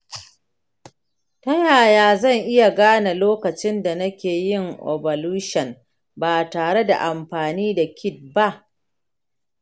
ta yaya zan iya gane lokacin da nake yin ovulation ba tare da amfani da kit ba?